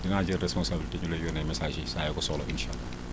dinaa jël responsabilité ñu lay yónnee messages yi saa yoo ko soxloo incha allah